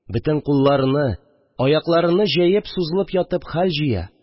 Бөтен кулларыны, аякларыны җәеп сузылып ятып хәл җыя